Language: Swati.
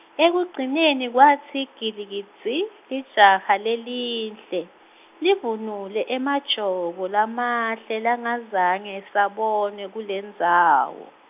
ekugcineni kwatsi gilikidzi, lijaha lelihle, livunule emajobo lamahle, langazange sabonwe kulendzawo.